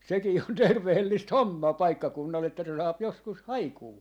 sekin on terveellistä hommaa paikkakunnalla että se saa joskus haikua